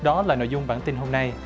đó là nội dung bản tin hôm nay